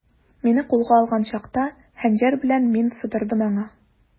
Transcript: Мине кулга алган чакта, хәнҗәр белән мин сыдырдым аңа.